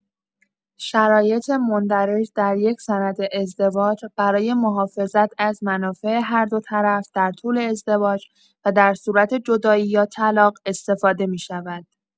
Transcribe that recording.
شرایط مندرج در یک سند ازدواج برای محافظت از منافع هر دو طرف در طول ازدواج و در صورت جدایی یا طلاق استفاده می‌شود.